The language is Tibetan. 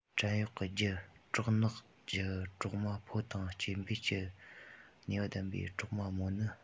བྲན གཡོག གི རྒྱུད གྲོག ནག ཀྱི གྲོག མ ཕོ དང སྐྱེ འཕེལ ནུས པ ལྡན པའི གྲོག མ མོ ནི